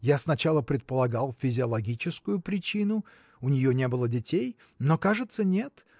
Я сначала предполагал физиологическую причину: у нее не было детей. но, кажется, нет!